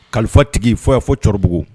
Kalifa tigi fo'a fɔ cɛkɔrɔbabugu